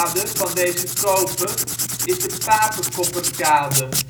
De achterkade van deze cope is de Papekopperkade